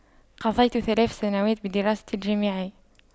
قضيت ثلاث سنوات بالدراسة الجامعية